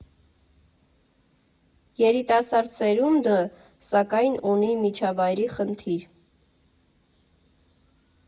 Երիտասարդ սերունդը, սակայն, ունի միջավայրի խնդիր։